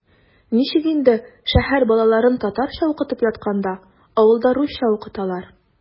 Ничек инде шәһәр балаларын татарча укытып ятканда авылда русча укыталар?!